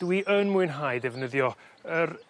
dwi yn mwynhau ddefnyddio yr